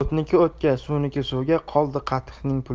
o'tniki o'tga suvniki suvga qoldi qatiqning puli